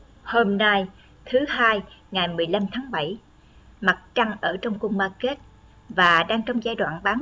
hôm nay mặt trăng ở trong cung ma kết và đang trong giai đoạn bán nguyệt